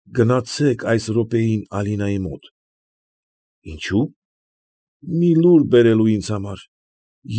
Գնացեք այո րոպեին Ալինայի մոտ։ ֊ Ինչո՞ւ։ ֊ Մի լուր բերելու ինձ համար։